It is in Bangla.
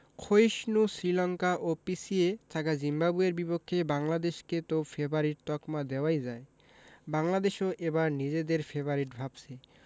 ক্ষয়িষ্ণু শ্রীলঙ্কা ও পিছিয়ে থাকা জিম্বাবুয়ের বিপক্ষে বাংলাদেশকে তো ফেবারিট তকমা দেওয়াই যায় বাংলাদেশও এবার নিজেদের ফেবারিট ভাবছে